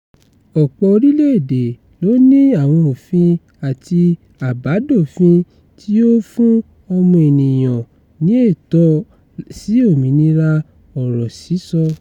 Ọ̀pọ̀ orílẹ̀-èdè ló ní àwọn òfin àti àbádòfin tí ó fún ọmọ ènìyàn ní ẹ̀tọ́ sí òmìnira ọ̀rọ̀ sísọ.